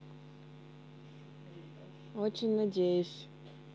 очень надеюсь